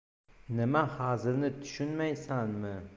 nima hazilni tushunmaysanmi